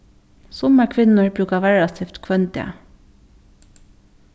summar kvinnur brúka varrastift hvønn dag